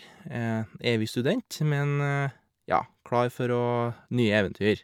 Er evig student, men, ja, klar for å nye eventyr.